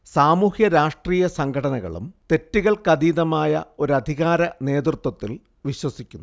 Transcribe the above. സാമൂഹ്യരാഷ്ട്രീയ സംഘടനകളും തെറ്റുകൾക്കതീതമായ ഒരധികാരനേതൃത്വത്തിൽ വിശ്വസിക്കുന്നു